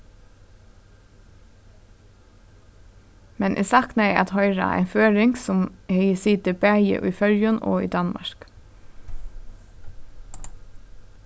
men eg saknaði at hoyra ein føroying sum hevði sitið bæði í føroyum og í danmark